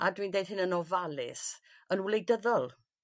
A dwi'n deud hyn yn ofalus yn wleidyddol